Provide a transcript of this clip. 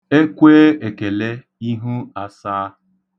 E kwee ekele, ihu asaa.